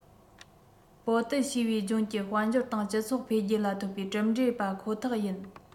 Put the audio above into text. པའོ ཏི ཞེས པའི ལྗོངས ཀྱི དཔལ འབྱོར དང སྤྱི ཚོགས འཕེལ རྒྱས ལ ཐོབ པའི གྲུབ འབྲས པ ཁོ ཐག ཡིན